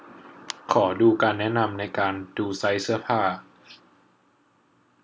ขอดูคำแนะนำในการดูไซส์เสื้อผ้า